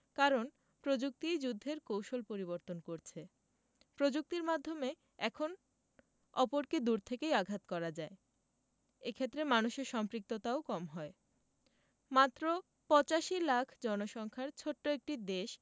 কারণ প্রযুক্তিই যুদ্ধের কৌশল পরিবর্তন করছে প্রযুক্তির মাধ্যমে এখন অপরকে দূর থেকেই আঘাত করা যায় এ ক্ষেত্রে মানুষের সম্পৃক্ততাও কম হয় মাত্র ৮৫ লাখ জনসংখ্যার ছোট্ট একটি দেশ